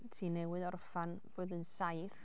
Ti newydd orffen blwyddyn saith